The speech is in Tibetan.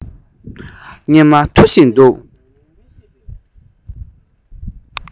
སྙེ མ འཐུ བཞིན འདུག